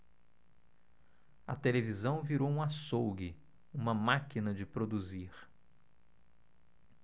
a televisão virou um açougue uma máquina de produzir